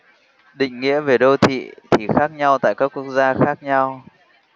định nghĩa về đô thị thì khác nhau tại các quốc gia khác nhau